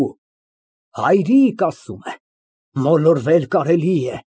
Եթե այդպես շարունակես, ես քեզ էլ կատեմ, ինչպես ատում եմ նրան։ ՄԱՐԳԱՐԻՏ ֊ Ինձ համար այսուհետև միևնույն է։